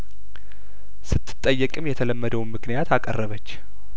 ስትጠየቅም የተለመደውን ምክንያት አቀረበች